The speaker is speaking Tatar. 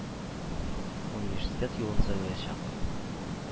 Университет юлын сайлаячак.